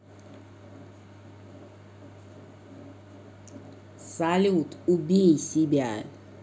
салют убей себя